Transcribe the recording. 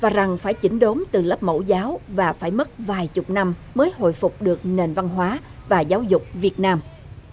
và rằng phải chỉnh đốn từ lớp mẫu giáo và phải mất vài chục năm mới hồi phục được nền văn hóa và giáo dục việt nam